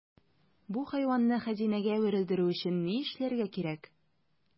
Бу хайванны хәзинәгә әверелдерү өчен ни эшләргә кирәк?